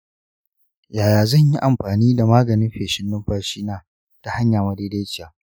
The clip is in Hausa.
yaya zan yi amfani da maganin feshin numfashi na ta hanya madaidaciya?